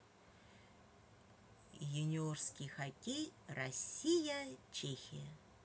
юниорский хоккей россия чехия